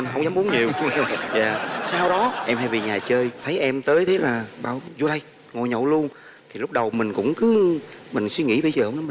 anh hông dám uống nhiều dạ sau đó em hay về nhà chơi thấy em tới thế là bảo vô đây ngồi nhậu luôn thì lúc đầu mình cũng cứ mình suy nghĩ bây giờ hổng